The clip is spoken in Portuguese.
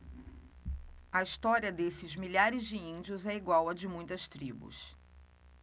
a história desses milhares de índios é igual à de muitas tribos